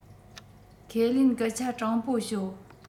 ཁས ལེ སྐད ཆ དྲང པོ ཤོད